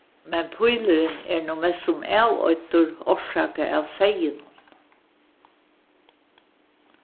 men pílurin er nú mestsum avoyddur orsakað av seyðinum